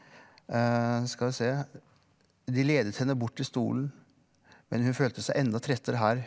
skal vi se de ledet henne bort til stolen men hun følte seg enda trettere her.